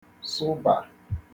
sụ̀ba